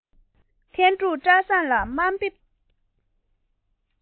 དུས གང ཙམ སོང བ མ ཤེས པར